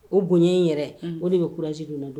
O bonya in yɛrɛunhun, o de bɛ courage don n na